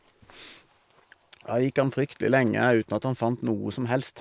Da gikk han fryktelig lenge uten at han fant noe som helst.